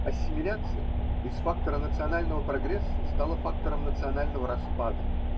ассимиляция из фактора национального прогресса стала фактором национального распада.